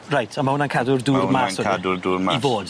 Reit a ma' hwnna'n cadw'r dŵr mas ydyw e? Mae'n cadw'r dŵr mas. I fod?